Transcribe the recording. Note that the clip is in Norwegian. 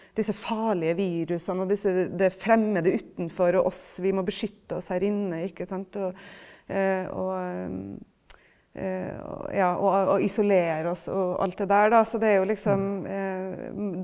disse farlige virusene og disse det fremmede utenfor og oss vi må beskytte oss her inne ikke sant, og og ja og isolere oss og alt det der da, så det er jo liksom .